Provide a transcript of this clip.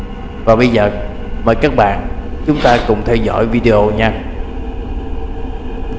mời các bạn chúng ta cùng theo dõi video nha